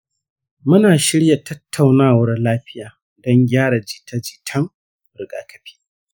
muna shirya tattaunawar lafiya don gyara jita-jitan rigakafi.